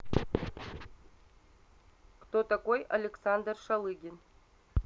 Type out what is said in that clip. кто такой александр шалыгин